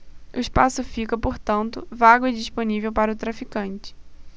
o espaço fica portanto vago e disponível para o traficante